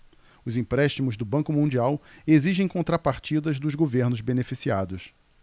os empréstimos do banco mundial exigem contrapartidas dos governos beneficiados